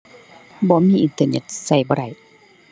บ่มีอินเทอร์เน็ต ใช้บ่ได้